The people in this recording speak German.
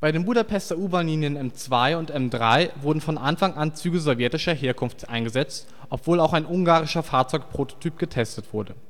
den Budapester U-Bahnlinien M2 und M3 wurden von Anfang an Züge sowjetischer Herkunft eingesetzt, obwohl auch ein ungarischer Fahrzeugprototyp getestet wurde